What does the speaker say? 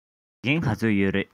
དགེ རྒན ག ཚོད ཡོད ན